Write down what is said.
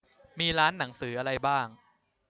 มีร้านหนังสืออะไรบ้าง